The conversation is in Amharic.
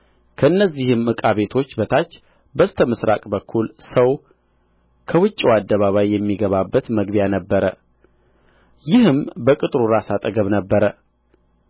ከእነዚህም ዕቃ ቤቶች በታች በስተ ምሥራቅ በኩል ሰው ከውጭው አደባባይ የሚገባበት መግቢያ ነበረ ይህም በቅጥሩ ራስ አጠገብ ነበረ